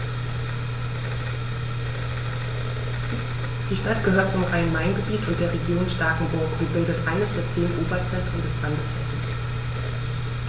Die Stadt gehört zum Rhein-Main-Gebiet und der Region Starkenburg und bildet eines der zehn Oberzentren des Landes Hessen.